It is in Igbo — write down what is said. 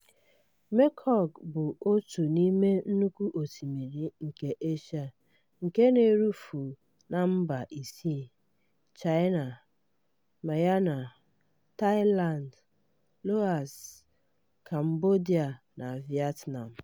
Mekong bụ otu n'ime nnukwu osimiri nke Eshia nke na-erufu na mba isii: China, Myanmar, Thailand, Laos, Cambodia, na Vietnam.